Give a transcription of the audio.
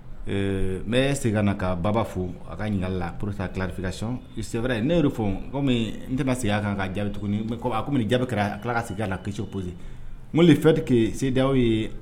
N bɛ segin ka na ka Baba fo ka ɲiningali la pour sa clarification c'est vrai ne ye o de fɔ comme n tɛna se segin a kan ka jaabi tuguni a bɛ kɛ comme jaabi kɛra ka tila ka segin ka na question posée nko le fait que CEDEAO ye